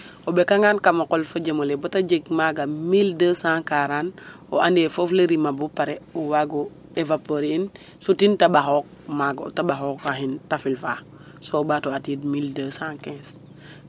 O ɓekangaan kam a qol le fo jem ole bata jeg maaga 1240 o ande foof le rima bo pare o waago évoparer in sutin te ɓaxook ɓaxokahin tafil fa sa o ɓat o atiid 1215.